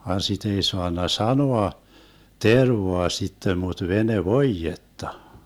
vaan sitä ei saanut sanoa tervaa sitten mutta venevoidetta